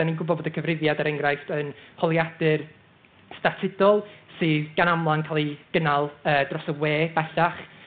Dan ni'n ni'n gwbod fod y cyfrifiad, er enghraifft, yn holiadur statudol sydd gan amla yn cael ei gynnal yy dros y we bellach.